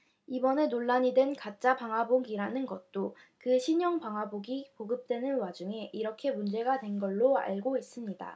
이번에 논란이 된 가짜 방화복이라는 것도 그 신형 방화복이 보급되는 와중에 이렇게 문제가 된 걸로 알고 있습니다